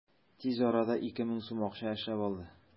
Тиз арада 2000 сум акча эшләп алды.